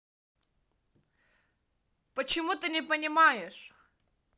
почему ты не понимаешь